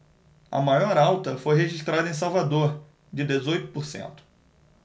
a maior alta foi registrada em salvador de dezoito por cento